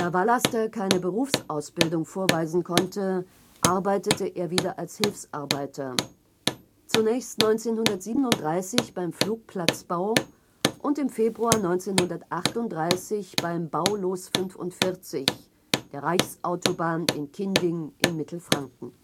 Vallaster keine Berufsausbildung vorweisen konnte, arbeitete er wieder als Hilfsarbeiter, zunächst 1937 beim Flugplatzbau und im Februar 1938 beim „ Baulos 45 “der Reichsautobahn in Kinding in Mittelfranken